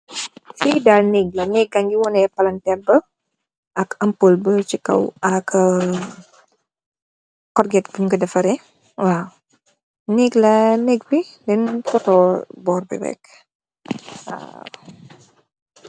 Fii daal neek la, neek baa ngi wane palanteer bi ak am pool bi si wow. Cotget kañ ko defaree. Neek, neek bi, fañ foto béénë boor bi rek. Waaw.